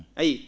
a yiyii